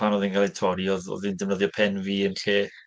Pan oedd e'n gael ei torri oedd oedd hi'n defnyddio pen fi yn lle.